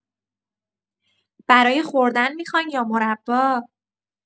برای خوردن می‌خواین یا مربا؟